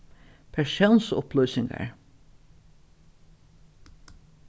persónsupplýsingar